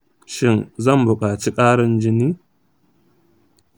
shin zan buƙaci ƙarin jini?